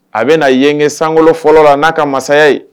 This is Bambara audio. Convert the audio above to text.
A bɛna na yenge san fɔlɔ la n'a ka masaya ye